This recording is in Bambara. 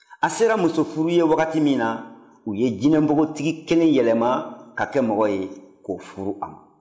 a sera musofuru ye wagati min na u ye jinɛ npogotigi kelen yɛlɛma ka kɛ mɔgɔ ye k'o furu a ma